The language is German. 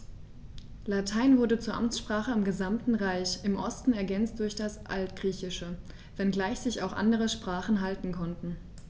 Latein wurde zur Amtssprache im gesamten Reich (im Osten ergänzt durch das Altgriechische), wenngleich sich auch andere Sprachen halten konnten.